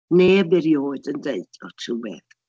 Neb erioed yn deud ffasiwn beth.